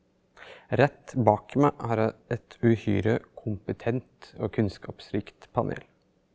rett bak meg har jeg et uhyre kompetent og kunnskapsrikt panel.